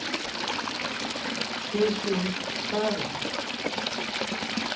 песня парус